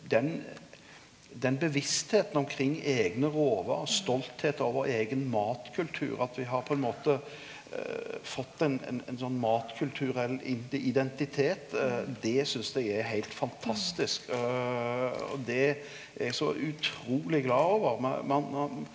den den bevisstheita omkring eigne råvarer, stoltheit over eigen matkultur, at vi har på ein måte fått ein ein ein sånn matkulturell identitet det synest eg er heilt fantastisk, og det er eg så utruleg glad over me ein.